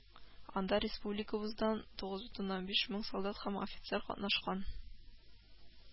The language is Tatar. Анда республикабыздан тугыз бөтен уннан биш мең солдат һәм офицер катнашкан